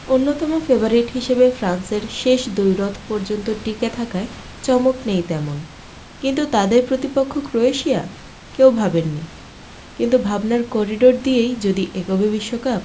অন্যতম ফেভারিট হিসেবে ফ্রান্সের শেষ দ্বৈরথ পর্যন্ত টিকে থাকায় চমক নেই তেমন কিন্তু তাদের প্রতিপক্ষ ক্রোয়েশিয়া কেউ ভাবেননি কিন্তু ভাবনার করিডর দিয়েই যদি এগোবে বিশ্বকাপ